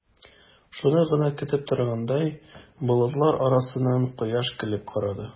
Шуны гына көтеп торгандай, болытлар арасыннан кояш көлеп карады.